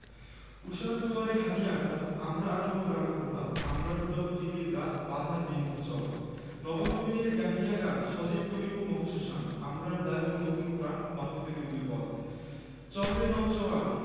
শোন রে পাতিয়া কান মৃত্যু তরণ দুয়ারে দুয়ারে জীবনের আহবান ভাঙ রে ভাঙ আগল চল রে চল রে চল চল চল চল